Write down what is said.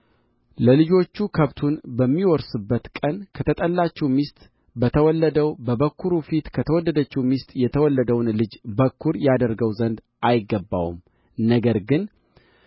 ለልጆቹ ከብቱን በሚያወርስበት ቀን ከተጠላችው ሚስት በተወለደው በበኵሩ ፊት ከተወደደችው ሚስት የተወለደውን ልጅ በኵር ያደርገው ዘንድ አይገባውም ነገር ግን